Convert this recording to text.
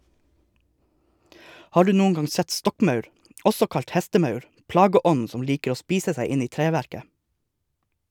Har du noen gang sett stokkmaur, også kalt hestemaur, plageånden som liker å spise seg inn i treverket?